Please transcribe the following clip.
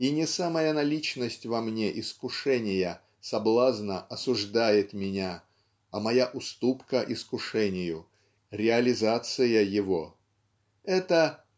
и не самая наличность во мне искушения соблазна осуждает меня а моя уступка искушению реализация его. Это